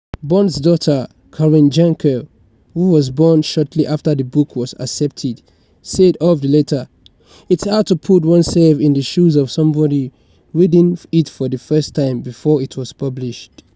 Bond's daughter Karen Jankel, who was born shortly after the book was accepted, said of the letter: "It's hard to put oneself in the shoes of somebody reading it for the first time before it was published.